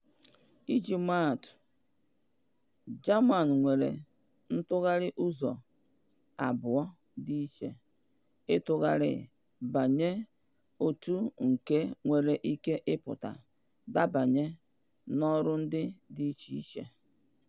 Iji maatụ, German nwere ntụgharị ụzọ abụọ dị iche ịtụgharị 'banye,' otu nke (anmelden) nwere ike ịpụta 'debanye' n'olundị dị iche iche.